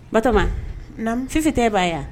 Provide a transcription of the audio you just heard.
Bato fi tɛ ba yan